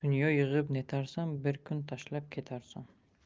dunyo yig'ib netarsan bir kun tashlab ketarsan